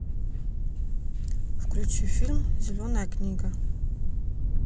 включи фильм зеленая книга